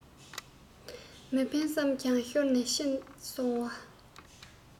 མི འཕེན བསམ ཀྱང ཤོར ནས ཕྱིན སོང བས